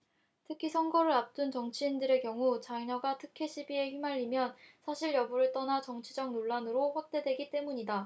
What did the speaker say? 특히 선거를 앞둔 정치인들의 경우 자녀가 특혜시비에 휘말리면 사실여부를 떠나 정치적 논란으로 확대되기 때문이다